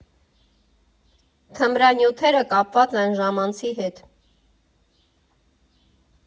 Թմրանյութերը կապված են ժամանցի հետ։